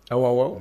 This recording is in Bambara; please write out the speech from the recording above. Awɔ Awɔ